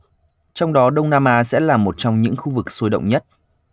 trong đó đông nam á sẽ là một trong những khu vực sôi động nhất